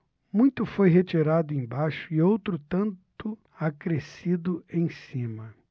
muito foi retirado embaixo e outro tanto acrescido em cima